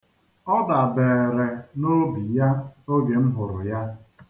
Ọ dabeere n'obi ya oge m hụrụ ya.